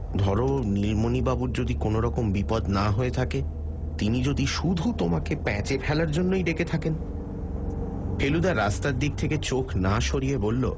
ধর নীলমণিবাবুর যদি কোনওরকম বিপদ না হয়ে থাকে তিনি যদি শুধু তোমাকে পাচে ফেলার জন্যই ডেকে থাকেন ফেলুদা রাস্তার দিক থেকে চোখ না সরিয়ে বলল